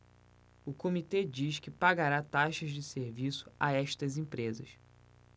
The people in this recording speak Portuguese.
o comitê diz que pagará taxas de serviço a estas empresas